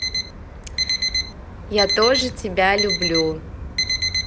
я тоже тебя люблю